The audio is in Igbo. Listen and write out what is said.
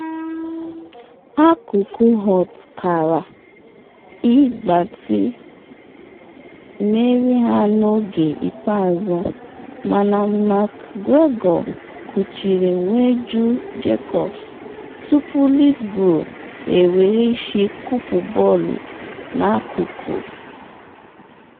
Akụkụ Holt kaara ịgbatị mmeri ha n’oge ikpeazụ mana McGregor kwuchiri wee jụ Jacobs, tupu Lithgow ewere isi kụpụ bọọlụ n’akụkụ.